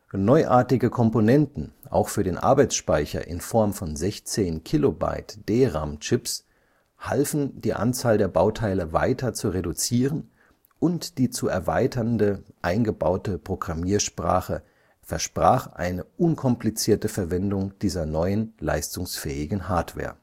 Neuartige Komponenten auch für den Arbeitsspeicher in Form von 16-KB-DRAM-Chips halfen die Anzahl der Bauteile weiter zu reduzieren und die zu erweiternde eingebaute Programmiersprache BASIC versprach eine unkomplizierte Verwendung dieser neuen leistungsfähigen Hardware